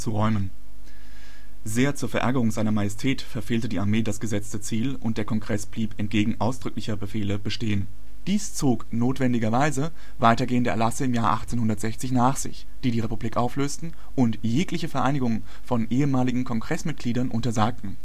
räumen. Sehr zur Verärgerung Seiner Majestät verfehlte die Armee das gesetzte Ziel und der Kongress blieb entgegen ausdrücklicher Befehle bestehen. Dies zog notwendigerweise weitergehende Erlasse im Jahre 1860 nach sich, die die Republik auflösten und jegliche Vereinigungen von ehemaligen Kongressmitgliedern untersagten